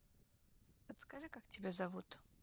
подскажи как тебя зовут